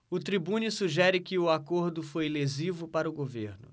o tribune sugere que o acordo foi lesivo para o governo